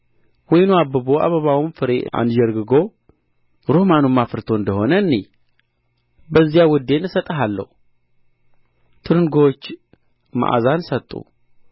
ወይኑ አብቦ አበባውም ፍሬ አንዠርግጎ ሮማኑም አፍርቶ እንደ ሆነ እንይ በዚያ ውዴን እሰጥሃለሁ ትርንጎዎች መዓዛን ሰጡ